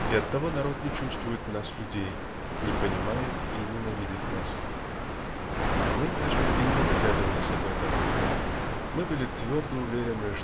И оттого народ не чувствует в нас людей, не понимает и ненавидит нас. Мы даже не догадывались об этом. Мы были твердо уверены